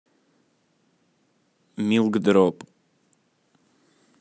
милк дроп